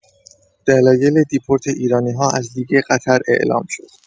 دلایل دیپورت ایرانی‌‌ها از لیگ قطر اعلام شد.